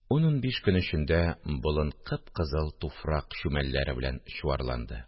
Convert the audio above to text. Ун-унбиш көн эчендә болын кып-кызыл туфрак чүмәләләре белән чуарланды